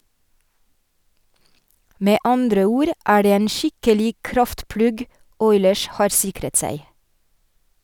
Med andre ord er det en skikkelig kraftplugg Oilers har sikret seg.